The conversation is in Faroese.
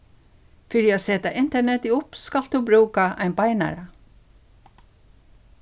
fyri at seta internetið upp skalt tú brúka ein beinara